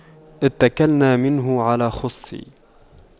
اتَّكَلْنا منه على خُصٍّ